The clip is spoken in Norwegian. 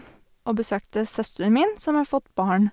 Og besøkte søsteren min, som har fått barn.